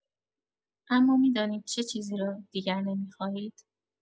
اما می‌دانید چه چیزی را دیگر نمی‌خواهید.